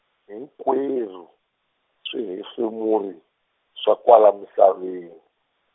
hinkwerhu swihefemuri swa kwala misaveni.